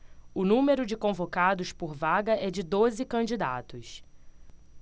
o número de convocados por vaga é de doze candidatos